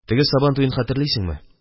Теге Сабан туен хәтерлисеңме?